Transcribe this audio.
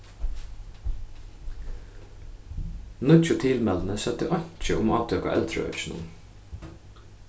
nýggju tilmælini søgdu einki um átøk á eldraøkinum